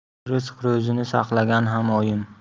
rizq ro'zini saqlagan ham oyim